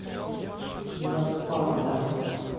сила парта